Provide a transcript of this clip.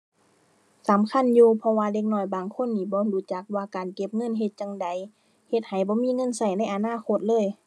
สำคัญอยู่ เพราะว่าเด็กน้อยบางคนนี้บ่รู้จักว่าการเก็บเงินเฮ็ดจั่งใด เฮ็ดให้บ่มีเงินใช้ในอนาคตเลย